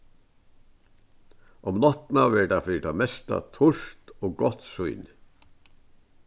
um náttina verður tað fyri tað mesta turt og gott sýni